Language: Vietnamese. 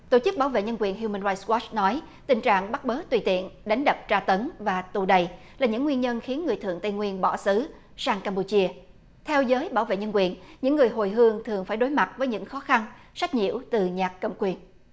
tổ chức bảo vệ nhân quyền hiu mừn rai goắt nói tình trạng bắt bớ tùy tiện đánh đập tra tấn và tù đày là những nguyên nhân khiến người thượng tây nguyên bỏ xứ sang cam pu chia theo giới bảo vệ nhân quyền những người hồi hương thường phải đối mặt với những khó khăn sách nhiễu từ nhà cầm quyền